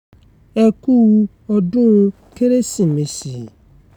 Ẹ kú ọdún Kérésìmesì!